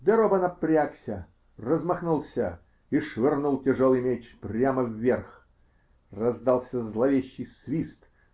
Де Роба напрягся, размахнулся и швырнул тяжелый меч прямо вверх. Раздался зловещий свист